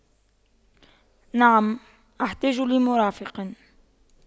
نعم احتاج لمرافق